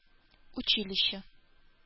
Училище